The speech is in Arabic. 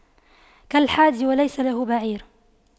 كالحادي وليس له بعير